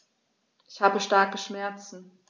Ich habe starke Schmerzen.